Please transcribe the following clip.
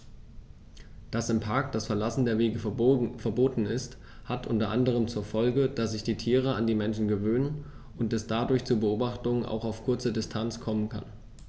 Dass im Park das Verlassen der Wege verboten ist, hat unter anderem zur Folge, dass sich die Tiere an die Menschen gewöhnen und es dadurch zu Beobachtungen auch auf kurze Distanz kommen kann.